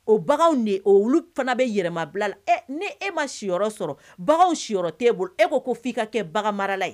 O bagan de olu olu fana bɛ yɛlɛmamabila la ɛ ni e ma si sɔrɔ bagan si tɛ bolo e ko ko f'i ka kɛ bagan marara la yen